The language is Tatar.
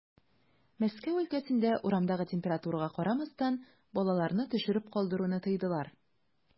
Мәскәү өлкәсендә, урамдагы температурага карамастан, балаларны төшереп калдыруны тыйдылар.